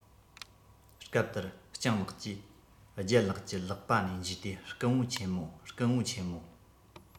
སྐབས དེར སྤྱང ལགས ཀྱིས ལྗད ལགས ཀྱི ལག པ ནས འཇུས ཏེ སྐུ ངོ ཆེན མོ སྐུ ངོ ཆེན མོ